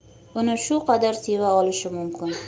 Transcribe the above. uni shu qadar seva olishi mumkin